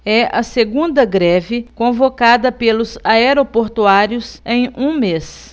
é a segunda greve convocada pelos aeroportuários em um mês